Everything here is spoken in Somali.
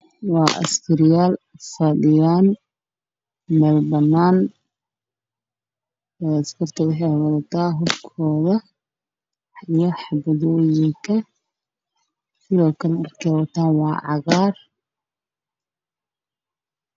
Waa sakariyaal fadhiyaan meel banaan hubkooda yay wataan